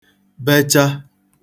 bècha